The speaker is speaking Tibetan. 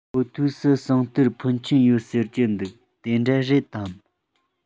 གོ ཐོས སུ ཟངས གཏེར འཕོན ཆེན ཡོད ཟེར གྱི འདུག དེ འདྲ རེད དམ